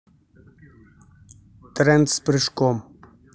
тренд с прыжком